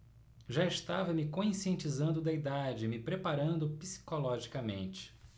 já estava me conscientizando da idade e me preparando psicologicamente